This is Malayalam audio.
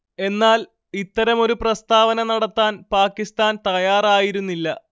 എന്നാൽ ഇത്തരമൊരു പ്രസ്താവന നടത്താൻ പാകിസ്താൻ തയ്യാറായിരുന്നില്ല